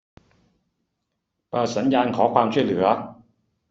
เปิดสัญญาณขอความช่วยเหลือ